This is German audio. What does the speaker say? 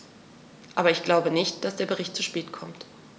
Aber ich glaube nicht, dass der Bericht zu spät kommt.